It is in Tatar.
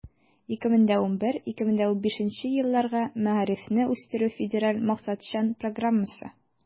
2011 - 2015 елларга мәгарифне үстерү федераль максатчан программасы.